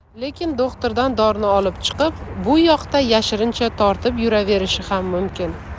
lekin do'xtirdan dorini olib chiqib bu yoqda yashirincha tortib yuraverishi ham mumkin